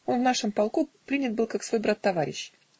он в нашем полку принят был, как свой брат товарищ